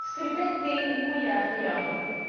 stribedi mwyar duon.